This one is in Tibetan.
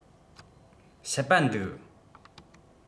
ཤི པ འདུག